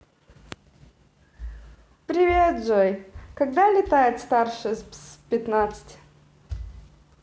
привет джой когда летает starships пятнадцать